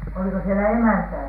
oliko siellä emäntää